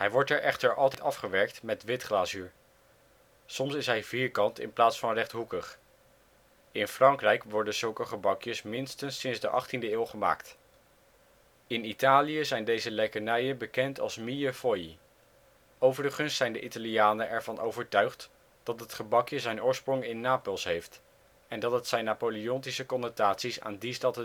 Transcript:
wordt er echter altijd afgewerkt met wit glazuur. Soms is hij vierkant in plaats van rechthoekig. In Frankrijk worden zulke gebakjes minstens sinds de achttiende eeuw gemaakt. In Italië zijn deze lekkernijen bekend als mille foglie. Overigens zijn de Italianen ervan overtuigd dat het gebakje zijn oorsprong in Napels heeft, en dat het zijn napoleontische connotaties aan die stad